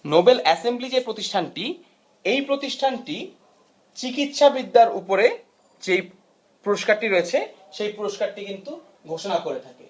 Nobel assembly যে প্রতিষ্ঠানটি এ প্রতিষ্ঠানটি চিকিৎসাবিদ্যার উপরে যে পুরস্কারটি রয়েছে সেই পুরস্কারটি কিন্তু ঘোষণা করে থাকে